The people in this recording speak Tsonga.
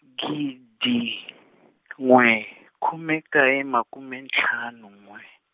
gidi n'we khume nkaye makume ntlhanu n'we.